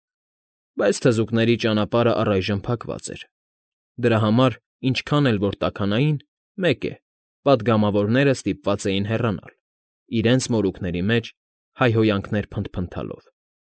Բայց թզուկների ճանապարհը առայժմ փակված էր, դրա համար, ինչքան էլ որ տաքանային, մեկ է, պատգամավորները ստիպված էին հեռանալ՝ իրենց մորուքների մեջ հայհոյանքներ փնթփնթալով։